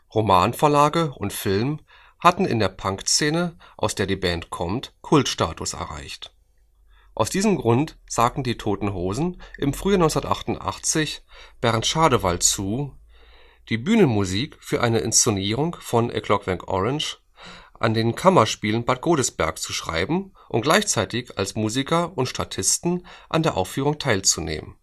Romanvorlage und Film hatten in der Punkszene, aus der die Band kommt, Kultstatus erreicht. Aus diesem Grund sagten Die Toten Hosen im Frühjahr 1988 Bernd Schadewald zu, die Bühnenmusik für seine Inszenierung von „ A Clockwork Orange “an den Kammerspielen Bad Godesberg zu schreiben und gleichzeitig als Musiker und Statisten an der Aufführung teilzunehmen